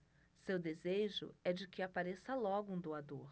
seu desejo é de que apareça logo um doador